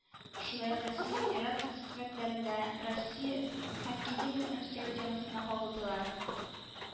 Шулай ук РФ төбәкләрендә Россия хоккей лигасын үстерү темасына кагылдылар